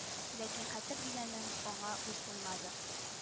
Ләкин хәтер дигәнең аңа буйсынмады